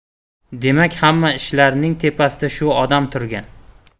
demak hamma ishlarning tepasida shu odam turgan